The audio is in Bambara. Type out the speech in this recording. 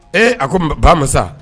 Ee a ko ba masa.